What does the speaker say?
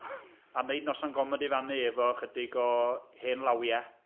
A wneud noson gomedi yn fan yna efo ychydig o hen lawiau.